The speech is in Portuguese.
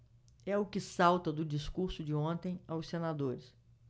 é o que salta do discurso de ontem aos senadores